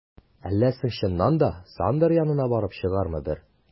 Әллә соң чыннан да, Сандра янына барып чыгаргамы бер?